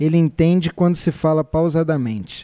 ele entende quando se fala pausadamente